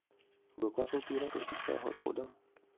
vừa qua công ty đã tổ chức đại hội cổ đông